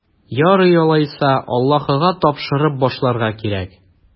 Ярый алайса, Аллаһыга тапшырып башларга кирәк.